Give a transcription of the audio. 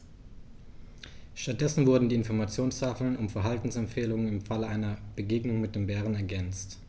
Stattdessen wurden die Informationstafeln um Verhaltensempfehlungen im Falle einer Begegnung mit dem Bären ergänzt.